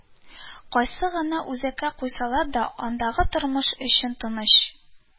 Кайсы гына үзәккә куйсалар да, андагы тормыш өчен тыныч